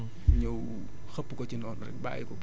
bu dee sax am ñax la mu nga xamante ni da nga koy dem wuti